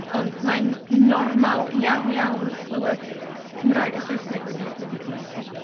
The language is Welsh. Ond mae'n normal iawn, iawn clywed Cymraeg a Saesneg wedi, wedi cymysgu